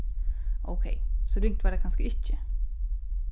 ókey so ringt var tað kanska ikki